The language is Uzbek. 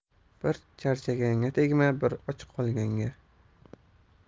bir charchaganga tegma bir och qolganga